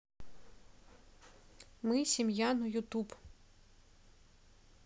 мы семья на ютюб